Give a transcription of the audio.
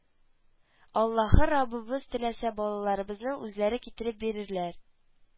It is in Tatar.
Аллаһы раббыбыз теләсә балаларыбызны үзләре китереп бирерләр